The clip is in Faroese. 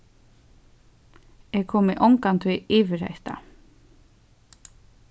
eg komi ongantíð yvir hetta